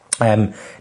yym,